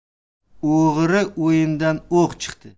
oxiri o'yindan o'q chiqdi